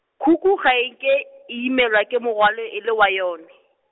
khukhu ga e nke, e imelwa ke morwalo e le wa yone.